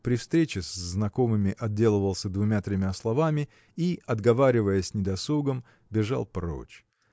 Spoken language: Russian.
при встрече с знакомыми отделывался двумя тремя словами и отговариваясь недосугом бежал прочь.